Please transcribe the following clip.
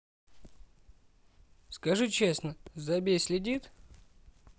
скажи честно забей следит